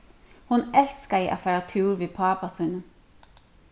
hon elskaði at fara túr við pápa sínum